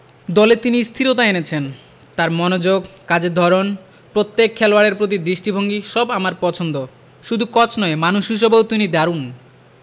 দলে তিনি স্থিরতা এনেছেন তাঁর মনোযোগ কাজের ধরন প্রত্যেক খেলোয়াড়ের প্রতি দৃষ্টিভঙ্গি সব আমার পছন্দ শুধু কোচ নয় মানুষ হিসেবেও তিনি দারুণ